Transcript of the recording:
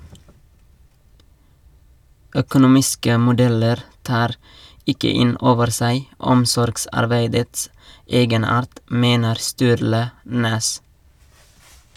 - Økonomiske modeller tar ikke inn over seg omsorgsarbeidets egenart, mener Sturle Næss.